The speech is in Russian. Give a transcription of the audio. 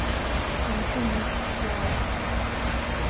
найди мультик клаус